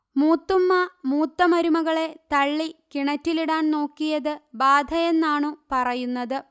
മൂത്തുമ്മ മൂത്ത മരുമകളെ തള്ളി കിണറ്റിലിടാൻനോക്കിയത് ബാധയെന്നാണു പറയുന്നത്